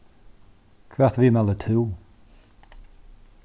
hvat viðmælir tú